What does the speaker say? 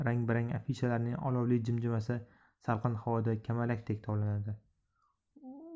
rang barang afishalarning olovli jim jimasi salqin havoda kamalakdek tovlanadi